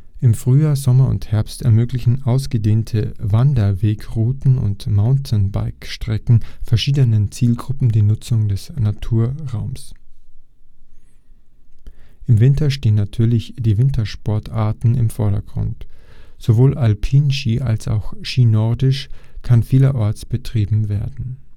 Im Frühjahr, Sommer und Herbst ermöglichen ausgedehnte Wanderwegrouten und Mountainbikestrecken verschiedenen Zielgruppen die Nutzung des Naturraumes. Im Winter stehen natürlich die Wintersportarten im Vordergrund. Sowohl Ski Alpin als auch Ski Nordisch kann vielerorts betrieben werden